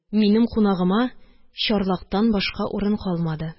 Минем кунагыма чарлактан башка урын калмады.